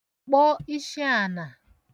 kpọ ishiànà